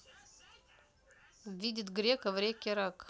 видит грека в реке рак